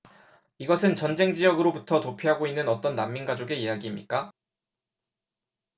이것은 전쟁 지역으로부터 도피하고 있는 어떤 난민 가족의 이야기입니까